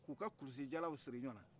k'u ka kulisi jalaw siri ɲɔgɔnna